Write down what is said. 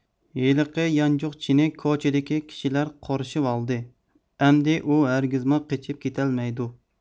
ھېلىقى يانچۇقچىنى كوچىدىكى كىشىلەر قورشىۋالدى ئەمدى ئۇ ھەرگىزمۇ قېچىپ كېتەلمەيدۇ